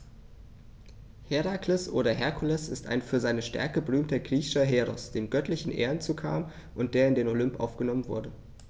Herakles oder Herkules ist ein für seine Stärke berühmter griechischer Heros, dem göttliche Ehren zukamen und der in den Olymp aufgenommen wurde.